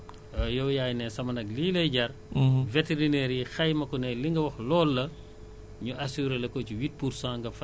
loolu dañu ne foofu tamit même chose bu dee nag bi huit pour cent la yow yaay ne sama nag lii lay jar